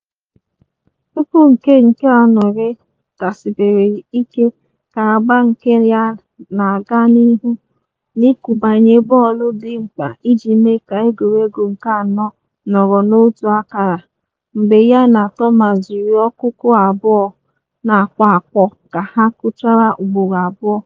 Mkpu ike nke anurị dasibere ike ka agba nke ya na-aga n’ihu, n’ịkụbanye bọọlụ dị mkpa iji mee ka egwuregwu nke anọ nọrọ n’otu akara mgbe ya na Thomas jiri ọkụkụ abụọ ‘na-akpụ akpụ ka ha kụchara ugboro abụọ.